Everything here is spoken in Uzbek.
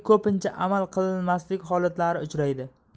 ko'pincha amal qilinmasligi holatlari uchraydi